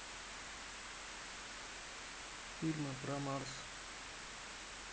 фильмы про марс